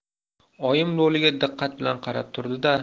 oyim lo'liga diqqat bilan qarab turdi da